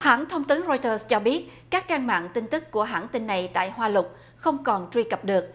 hãng thông tấn roi tơ cho biết các trang mạng tin tức của hãng tin này tại hoa lục không còn truy cập được